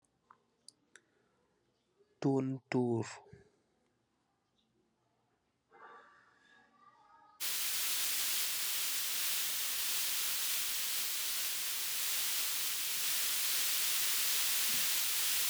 Toontoor